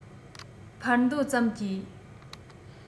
འཕར འདོད ཙམ གྱིས